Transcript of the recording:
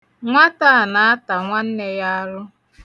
Nwata a na-ata nwanne ya arụ.